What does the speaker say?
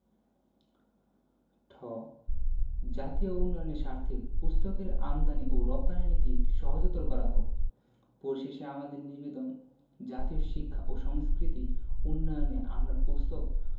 ঠ জাতীয় উন্নয়নের স্বার্থে পুস্তকের আমদানী ও রপ্তানী নীতি সহজতর করা হোক পরিশেষে আমাদের নিবেদন জাতীয় শিক্ষা ও সংস্কৃতি উন্নয়নে আমরা পুস্তক